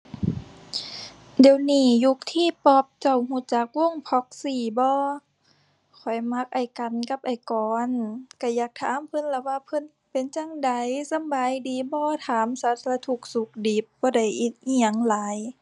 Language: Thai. เดี๋ยวนี้ยุค T-Pop เจ้ารู้จักวง Proxie บ่ ข้อยมักอ้ายกันกับอ้ายกร รู้อยากถามเพิ่นล่ะว่าเพิ่นเป็นจั่งใด สำบายดีบ่ ถามสารทุกข์สุกดิบ บ่ได้อิ อิหยังหลาย